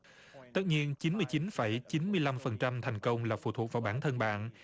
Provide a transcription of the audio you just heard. tất nhiên chín mươi chín phẩy chín mươi lăm phần trăm thành công là phụ thuộc vào bản thân bạn